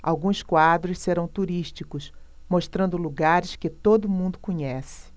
alguns quadros serão turísticos mostrando lugares que todo mundo conhece